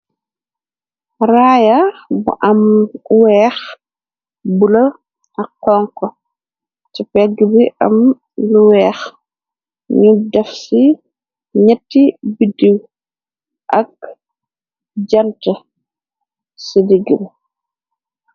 Raaya bu am weex bu la ak xonko ci pegge bi am lu weex ñu def ci ñetti biddiw ak jante ci diggi bi.